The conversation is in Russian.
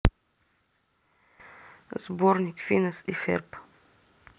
сборник финес и ферб